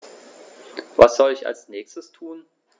Was soll ich als Nächstes tun?